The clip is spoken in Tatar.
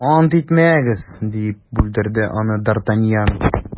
- ант итмәгез, - дип бүлдерде аны д’артаньян.